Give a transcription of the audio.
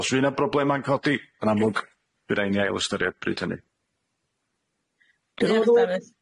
Os fy 'na broblema'n codi yn amlwg by' raid ni ail ystyried bryd hynny. Diolch Dafydd.